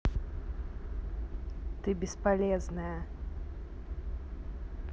ты бесполезная